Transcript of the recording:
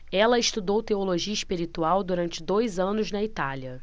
ela estudou teologia espiritual durante dois anos na itália